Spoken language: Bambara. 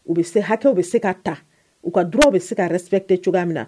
U bɛ se hakɛw bɛ se ka ta u ka du bɛ se karesp tɛ cogoya min na